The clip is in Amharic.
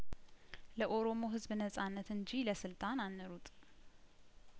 ለኦሮሞ ህዝብ ነጻነት እንጂ ለስልጣን አንሩጥ